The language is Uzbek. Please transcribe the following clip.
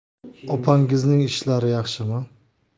opangizning ishlari yaxshimi